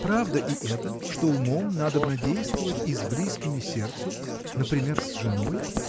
– Правда и это, что умом надобно действовать и с близкими сердцу. например, с женой?.